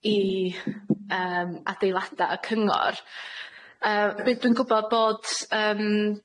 i yym adeilada' y cyngor. Yy dwi- dwi'n gwbod bod yym